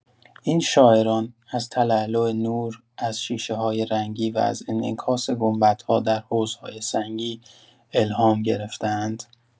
این شاعران، از تلالو نور از شیشه‌های رنگی و از انعکاس گنبدها در حوض‌های سنگی الهام گرفته‌اند.